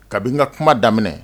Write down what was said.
Ka bi n ka kuma daminɛ